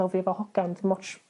fel fi fel hogan dim otsh